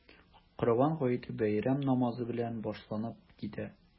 Корбан гаете бәйрәм намазы белән башланып китә.